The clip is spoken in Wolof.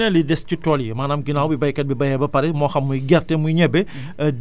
su ñu nee lu des ci tool yi maanaam ginnaaw bi béykat bi béyee ba pare moo xam muy gerte muy ñebe